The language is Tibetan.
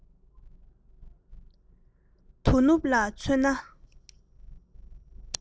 དོ ནུབ ལ མཚོན ན